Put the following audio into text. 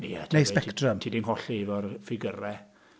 Neu Spectrum... ti 'di ngholli i efo'r ffigyrau.